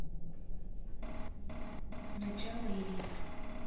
начала ирина